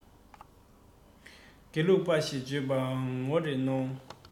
དགེ ལུགས པ ཞེས བརྗོད པར ངོ རེ གནོང